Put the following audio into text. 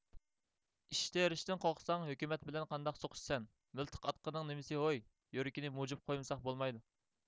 ئىش تېرىشتىن قورقساڭ ھۆكۈمەت بىلەن قانداق سوقۇشىسەن مىلتىق ئاتقىنىڭ نېمىسى ھوي يۈرىكىنى موجۇپ قويمىساق بولمايدۇ